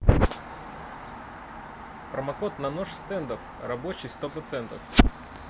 промокод на нож стендов рабочий сто процентов